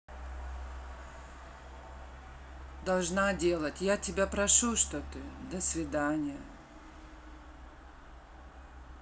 должна делать я тебя прошу что ты до свидания